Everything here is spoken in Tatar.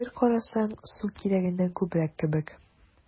Бер карасаң, су кирәгеннән күбрәк кебек: